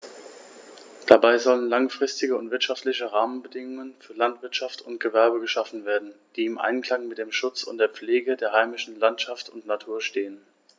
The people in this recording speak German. Dabei sollen langfristige und wirtschaftliche Rahmenbedingungen für Landwirtschaft und Gewerbe geschaffen werden, die im Einklang mit dem Schutz und der Pflege der heimischen Landschaft und Natur stehen.